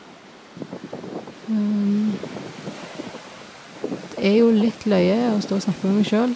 Det er jo litt løje å stå og snakke med meg sjøl.